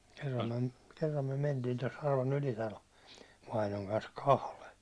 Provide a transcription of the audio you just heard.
kerran me kerran me - mentiin tuon Sarvan Ylitalo vainajan kanssa kahden